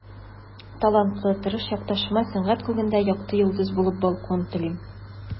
Талантлы, тырыш якташыма сәнгать күгендә якты йолдыз булып балкуын телим.